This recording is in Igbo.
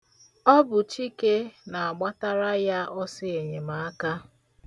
Ọ bụ Chike na-agbatara ya ọsọ enyemaka.